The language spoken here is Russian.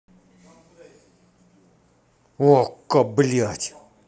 okko блять